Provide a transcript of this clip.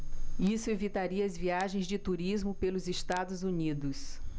isso evitaria as viagens de turismo pelos estados unidos